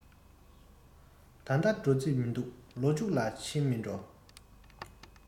ད ལྟ འགྲོ རྩིས མི འདུག ལོ མཇུག ལ ཕྱིན མིན འགྲོ